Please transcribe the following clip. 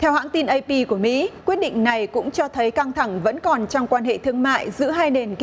theo hãng tin ây bi của mỹ quyết định này cũng cho thấy căng thẳng vẫn còn trong quan hệ thương mại giữa hai nền